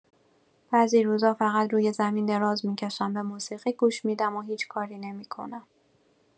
بعضی روزا فقط روی زمین دراز می‌کشم، به موسیقی گوش می‌دم و هیچ کاری نمی‌کنم.